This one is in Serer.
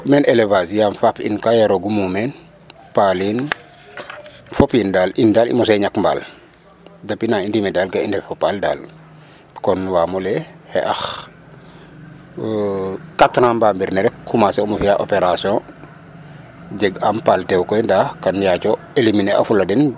Meen élevage yaam faap in kaa yaroogu muumeen paalin fopin daal in daal i mosee ñak mbaal dépuit na i ndime daal ga i ndef fo paal kon waam o lay ee xaƴa 4 ans mbamir ne rek commencer um o fi'aa opération jegaam paal tew koy paax kaam yaaco éliminer afula den.